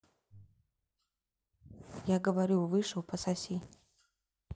я говорю вышел пососи